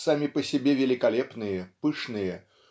сами по себе великолепные пышные